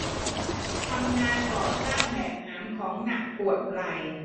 ทำงานก่อสร้างแบกหามของหนักปวดไหล่